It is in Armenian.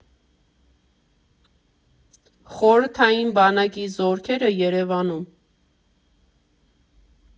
Խորհրդային բանակի զորքերը Երևանում.